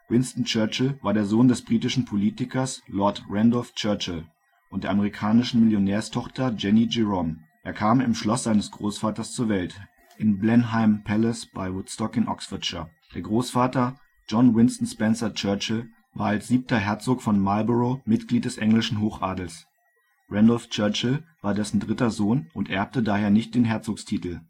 Winston Churchill war der Sohn des britischen Politikers Lord Randolph Churchill und der amerikanischen Millionärstochter Jennie Jerome. Er kam im Schloss seines Großvaters zur Welt, in Blenheim Palace bei Woodstock (Oxfordshire). Der Großvater, John Winston Spencer-Churchill, war als Siebter Herzog von Marlborough Mitglied des englischen Hochadels. Randolph Churchill war dessen dritter Sohn und erbte daher nicht den Herzogstitel